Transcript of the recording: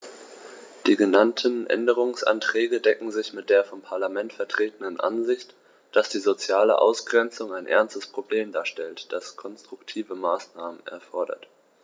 Die genannten Änderungsanträge decken sich mit der vom Parlament vertretenen Ansicht, dass die soziale Ausgrenzung ein ernstes Problem darstellt, das konstruktive Maßnahmen erfordert.